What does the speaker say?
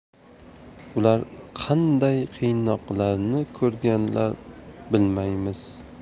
ular qanday qiynoqlarni ko'rganlar bilmaymiz